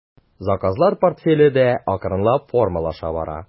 Заказлар портфеле дә акрынлап формалаша бара.